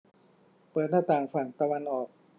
เปิดหน้าต่างฝั่งตะวันออก